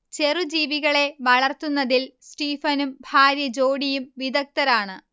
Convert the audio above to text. ചെറുജീവികളെ വളർത്തുന്നതിൽ സ്റ്റീഫനും ഭാര്യ ജോഡിയും വിദഗ്ധരാണ്